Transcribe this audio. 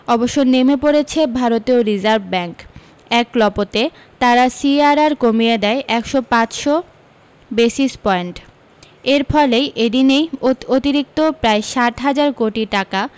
অবশ্য নেমে পড়েছে ভারতীয় রিজার্ভ ব্যাঙ্ক এক লপতে তারা সিআরআর কমিয়ে দেয় একশ পাঁচশ বেসিস পয়েন্ট এর ফলে এদিনেই অতিরিক্ত প্রায় ষাট হাজার কোটি টাকা